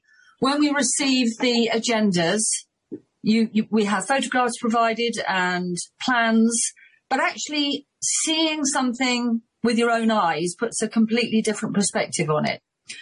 When we received the agendas, you, you we had photographs provided and plans but actually seeing something with your own eyes puts a completely different perspective on it.